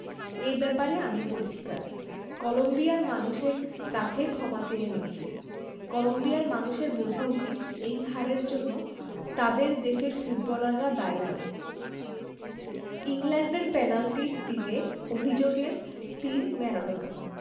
এ ব্যাপারে আমি পরিষ্কার কলম্বিয়ার মানুষের কাছে ক্ষমা চেয়ে নিচ্ছি কলম্বিয়ার মানুষের বোঝা উচিত এই হারের জন্য তাদের দেশের ফুটবলাররা দায়ী নয় ইংল্যান্ডের পেনাল্টির দিকে অভিযোগের তির ম্যারাডোনার